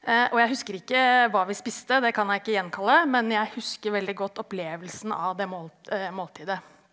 og jeg husker ikke hva vi spiste, det kan jeg ikke gjenkalle, men jeg husker veldig godt opplevelsen av det måltidet.